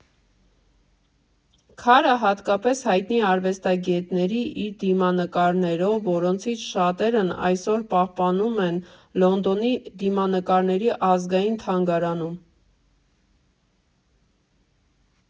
Քարը հատկապես հայտնի է արվեստագետների իր դիմանկարներով, որոնցից շատերն այսօր պահպանվում են Լոնդոնի՝ Դիմանկարների ազգային թանգարանում։